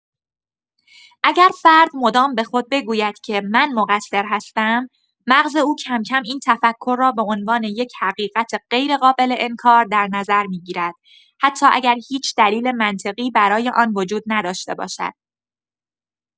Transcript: اگر فرد مدام به خود بگوید که “من مقصر هستم”، مغز او کم‌کم این تفکر را به‌عنوان یک حقیقت غیرقابل انکار در نظر می‌گیرد، حتی اگر هیچ دلیل منطقی برای آن وجود نداشته باشد.